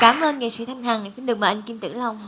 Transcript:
cám ơn nghệ sĩ thanh hằng xin được mời anh kim tử long